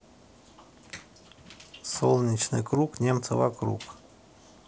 солнечный круг немцы вокруг